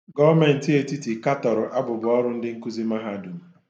Gọọmenti etiti katọ̀rọ̀ abụba ọrụ ndị nkuzi mahadum